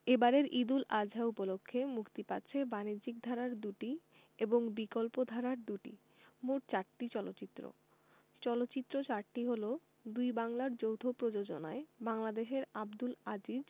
এবারের ঈদ উল আযহা উপলক্ষে মুক্তি পাচ্ছে বাণিজ্যিক ধারার দুটি এবং বিকল্পধারার দুটি মোট চারটি চলচ্চিত্র চলচ্চিত্র চারটি হলো দুই বাংলার যৌথ প্রযোজনায় বাংলাদেশের আবদুল আজিজ